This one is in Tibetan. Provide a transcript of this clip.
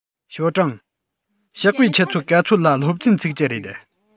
ཞའོ ཀྲུང ཞོགས པའི ཆུ ཚོད ག ཚོད ལ སློབ ཚན ཚུགས ཀྱི རེད